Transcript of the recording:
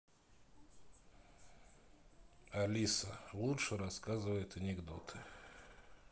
алиса лучше рассказывает анекдоты